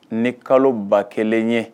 Ni kalo ba kelen ye